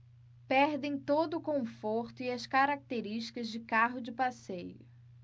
perdem todo o conforto e as características de carro de passeio